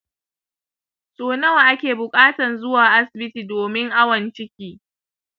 so nawa ake bukatan zuwa asibiti domin awon ciki